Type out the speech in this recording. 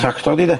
Tractor di de?